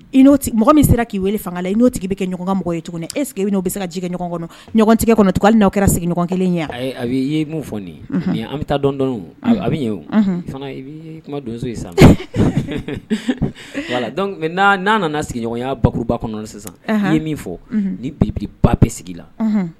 I mɔgɔ min sera k'i weele fanga la n'o tigi bɛ kɛ ɲɔgɔnmɔgɔ ye tuguni eseke i bɛ'o bɛ se ka ji kɛ ɲɔgɔn kɔnɔ ɲɔgɔntigɛ kɔnɔ hali n'a kɛra sigiɲɔgɔn kelen ye a i ye min fɔ nin an bɛ taa dɔndɔ a bɛ o i kuma donso ye sa wala n'a nana sigiɲɔgɔnya bakuruba kɔnɔ sisan i ye min fɔ ni bibi ba bɛ sigi la